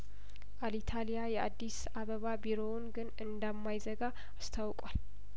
አል ኢታሊያ የአዲስ አበባ ቢሮውን ግን እንደማይዘጋ አስታውቋል